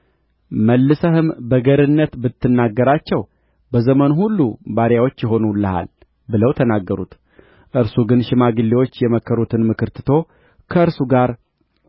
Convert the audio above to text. መልሰህም በገርነት ብትናገራቸው በዘመኑ ሁሉ ባሪያዎች ይሆኑልሃል ብለው ተናገሩት እርሱ ግን ሽማግሌዎች የመከሩትን ምክር ትቶ ከእርሱ ጋር